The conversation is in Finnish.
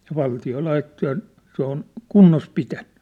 ja valtio laittoi ja se on kunnossa pitänyt